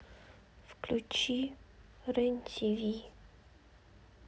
включи рен тиви